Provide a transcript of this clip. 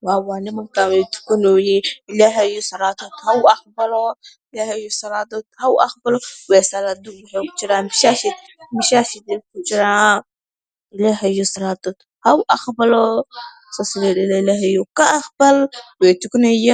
Waa warey nimankan wey tukanayiin ilaahay salada ha uqbalo wax ay kujiran masajid masajid ayey ku jiran ilahay slada ha uaqbalo ilahayow ka aqbal way fukanayiin